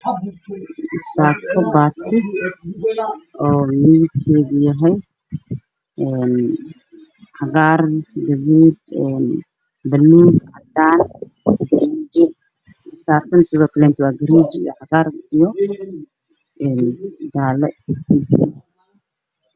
Waa saako baati ah oo midabkeedu uu yahay cagaar, gaduud, buluug, cadaan iyo gariije. Saakada sidoo kale gareeji, cagaar iyo jaale.